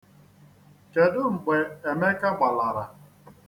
Kedụ mgbe Emeka gbalara?